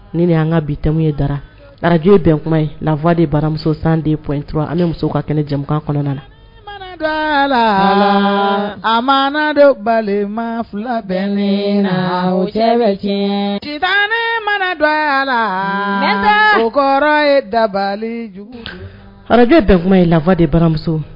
Ni y'an ka bi ye da araj den kuma ye lafa de baramuso san de p dɔrɔn an muso ka kɛnɛ jamamukan kɔnɔna na a la a ma de bali ma fila bɛ ne cɛ cɛ tan ne mana don a la kɔrɔ ye dabali jugu dekuma ye lafa de baramuso